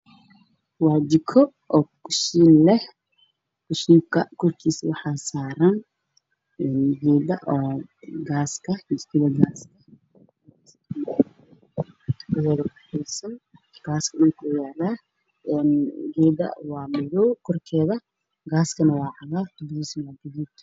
Waa jiko ku shiin leh ku shiinka hor keeda waxaa saran gaar jikada midab keedu waa madow